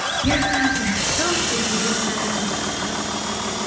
я рада то что тебе нравится